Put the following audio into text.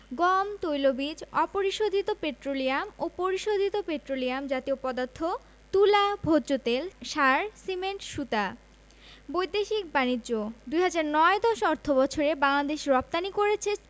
গম তৈলবীজ অপরিশোধিত পেট্রোলিয়াম ও পরিশোধিত পেট্রোলিয়াম জাতীয় পদার্থ তুলা ভোজ্যতেল সার সিমেন্ট সুতা বৈদেশিক বাণিজ্যঃ ২০০৯ ১০ অর্থবছরে বাংলাদেশ রপ্তানি করেছে